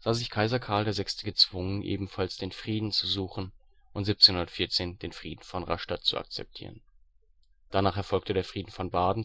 sah sich Kaiser Karl VI. gezwungen, ebenfalls den Frieden zu suchen und 1714 den Frieden von Rastatt zu akzeptieren. Danach erfolgte der Frieden von Baden